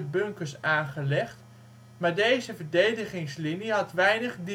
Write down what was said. bunkers aangelegd maar deze verdedigingslinie had weinig